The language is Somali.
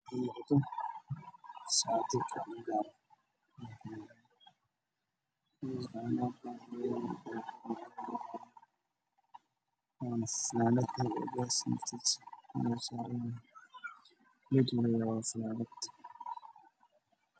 Waa shaati gacma gaab ah oo baro baro leh